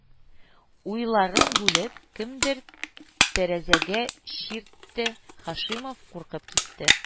Уйларын бүлеп, кемдер тәрәзәгә чиртте, Һашимов куркып китте